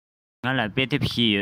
ང ལ དཔེ དེབ བཞི ཡོད